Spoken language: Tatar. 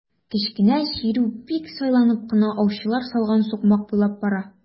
Кечкенә чирү бик сакланып кына аучылар салган сукмаклар буйлап бара.